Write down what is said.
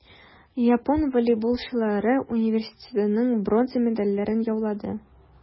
Япон волейболчылары Универсиаданың бронза медальләрен яулады.